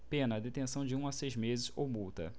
pena detenção de um a seis meses ou multa